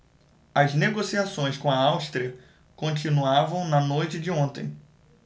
as negociações com a áustria continuavam na noite de ontem